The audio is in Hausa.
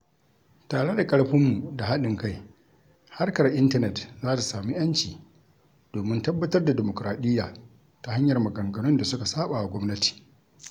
Tare da ƙarfinmu da haɗin kai, harkar intanet za ta samu 'yanci domin tabbatar da dimukuraɗiyya ta hanyar maganganun da suka saɓawa gwamnati.